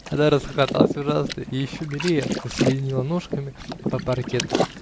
Она расхохоталась ужасно и еще милее засеменила ножками по паркету.